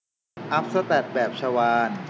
อัพแสตทแบบชวาล